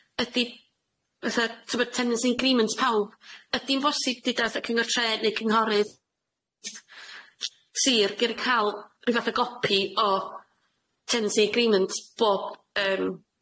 Ydi fatha t'mod tenancy agreement pawb, ydi'n bosib deuda wtha y cyngor tre neu cynghorydd s- s- sir geri ca'l ryw fath o gopi o tenancy agreement bob yym